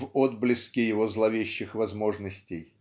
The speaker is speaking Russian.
в отблеске его зловещих возможностей.